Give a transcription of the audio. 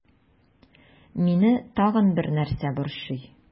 Мине тагын бер нәрсә борчый.